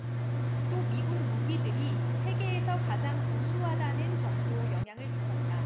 또 미국 무기들이 세계에서 가장 우수하다는 점도 영향을 미쳤다